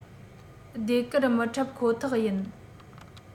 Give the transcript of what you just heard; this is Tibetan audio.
ཟློས གར མི འཁྲབ ཁོ ཐག ཡིན